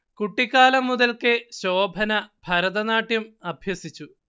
കുട്ടിക്കാലം മുതൽക്കേ ശോഭന ഭരതനാട്യം അഭ്യസിച്ചു